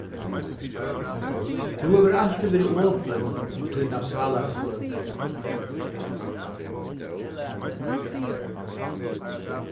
tú hevur altíð verið opin um tína sálarkvøl